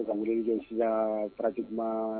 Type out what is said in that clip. Be ka weeleli kɛ sisaan pratiquement